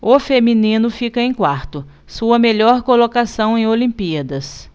o feminino fica em quarto sua melhor colocação em olimpíadas